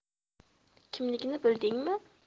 kimligini bildingmi